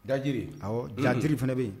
Dajiri jari fana bɛ yen